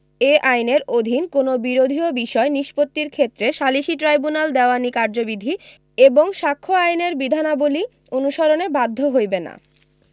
এই আইনের অধীন কোন বিরোধীয় বিষয় নিষ্পত্তির ক্ষেত্রে সালিসী ট্রাইব্যুনাল দেওয়ানী কার্যবিধি এবং সাক্ষ্য আইনের বিধানাবলী অনুসরণে বাধ্য হইবে না